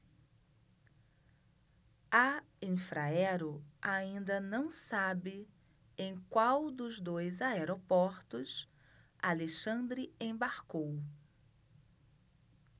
a infraero ainda não sabe em qual dos dois aeroportos alexandre embarcou